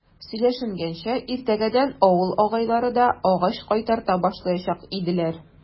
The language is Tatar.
Сөйләшенгәнчә, иртәгәдән авыл агайлары да агач кайтарта башлаячак иделәр.